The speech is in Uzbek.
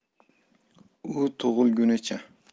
u tug'ilgunicha